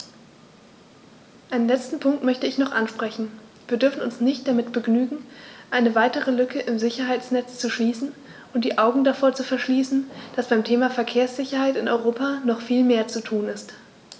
Einen letzten Punkt möchte ich noch ansprechen: Wir dürfen uns nicht damit begnügen, eine weitere Lücke im Sicherheitsnetz zu schließen und die Augen davor zu verschließen, dass beim Thema Verkehrssicherheit in Europa noch viel mehr zu tun ist.